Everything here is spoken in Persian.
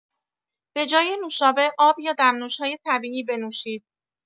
به‌جای نوشابه، آب یا دمنوش‌های طبیعی بنوشید.